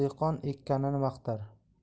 dehqon ekkanini maqtar